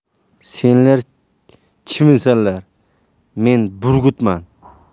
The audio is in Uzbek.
senlar chivinsanlar men burgutman